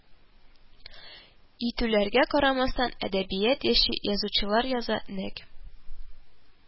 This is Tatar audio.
Итүләргә» карамастан, әдәбият яши, язучылар яза, нәкъ